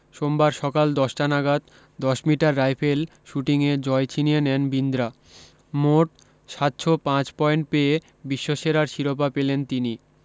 সোমবার সকাল দশটা নাগাদ দশ মিটার রাইফেল শুটিংয়ে জয় ছিনিয়ে নেন বিন্দ্রা মোট সাতশ পাঁচ পয়েন্ট পেয়ে বিশ্বসেরার শিরোপা পেলেন তিনি